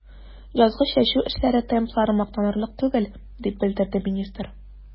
Язгы чәчү эшләре темплары мактанырлык түгел, дип белдерде министр.